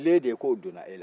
le de ye k'o donna i la